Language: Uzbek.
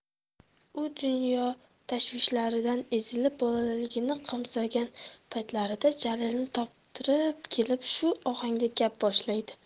u dunyo tashvishlaridan ezilib bolaligini qo'msagan paytlarida jalilni toptirib kelib shu ohangda gap boshlaydi